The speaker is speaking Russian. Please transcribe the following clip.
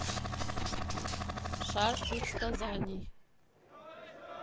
шар предсказаний